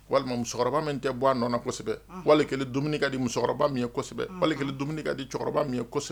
Walima musokɔrɔba min tɛ bɔ a nɔ kosɛbɛ walikelen dumuni ka di musokɔrɔba min ye kosɛbɛ dumuni kadi cɛkɔrɔba